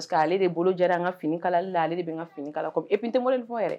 Ale de bolo an ka fini kala la ale de bɛ ka fini kala ep tɛwale fɔ yɛrɛ